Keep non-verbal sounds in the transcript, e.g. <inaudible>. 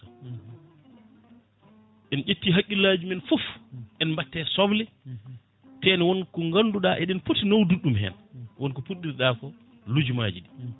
en ƴetti haqqillaji men foof en batte soble <smacks lips> teede wonko ganduɗa eɗen pooti nawdude ɗum hen woni ko puɗɗori ɗa ko lijumaji ɗi